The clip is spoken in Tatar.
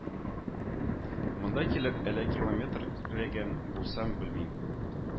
Монда килеп эләкилометрәгән булсам, белмим